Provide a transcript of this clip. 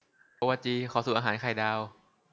โกวาจีขอสูตรอาหารไข่ดาว